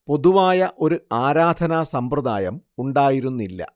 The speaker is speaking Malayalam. പൊതുവായ ഒരു ആരാധനാ സമ്പ്രദായം ഉണ്ടായിരുന്നില്ല